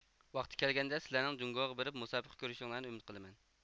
ۋاقتى كەلگەندە سىلەرنىڭ جۇڭگۇغا بىرىپ مۇسابىقە كۆرۈشۈڭلارنى ئۈمىد قىلىمەن